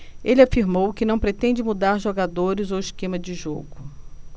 ele afirmou que não pretende mudar jogadores ou esquema de jogo